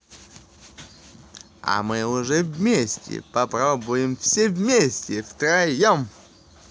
а мы уже вместе попробуем все вместе втроем